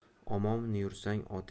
omon yursang oting o'zar